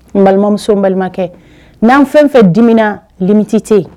N balimamuso n balimakɛ n'an fɛn fɛn dimina miti tɛ yen